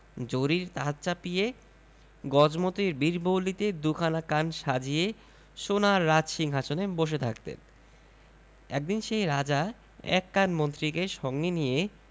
জরির তাজ চাপিয়ে গজমোতির বীরবৌলিতে দুখানা কান সাজিয়ে সোনার রাজসিংহাসনে বসে থাকতেন একদিন সেই রাজা এক কান মন্ত্রীকে সঙ্গে নিয়ে